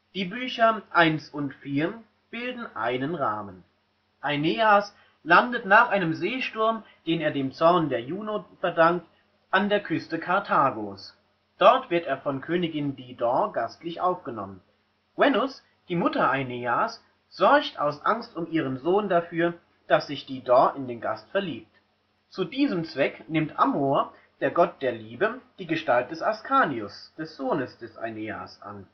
Die Bücher 1 und 4 bilden einen Rahmen: Aeneas landet nach einem Seesturm, den er dem Zorn der Juno verdankt, an der Küste Karthagos. Dort wird er von Königin Dido gastlich aufgenommen. Venus, die Mutter Aeneas’, sorgt aus Angst um ihren Sohn dafür, dass sich Dido in den Gast verliebt. Zu diesem Zweck nimmt Amor, der Gott der Liebe, die Gestalt des Ascanius, des Sohnes des Aeneas, an